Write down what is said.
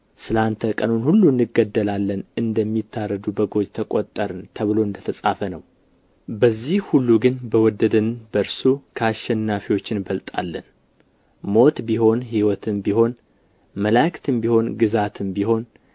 ስለ አንተ ቀኑን ሁሉ እንገደላለን እንደሚታረዱ በጎች ተቆጠርን ተብሎ እንደ ተጻፈ ነው በዚህ ሁሉ ግን በወደደን በእርሱ ከአሸናፊዎች እንበልጣለን ሞት ቢሆን ሕይወትም ቢሆን መላእክትም ቢሆኑ ግዛትም ቢሆን